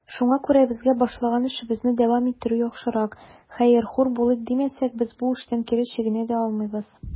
Шуңа күрә безгә башлаган эшебезне дәвам иттерү яхшырак; хәер, хур булыйк димәсәк, без бу эштән кире чигенә дә алмыйбыз.